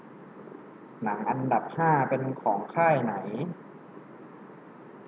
หนังอันดับห้าเป็นของค่ายไหน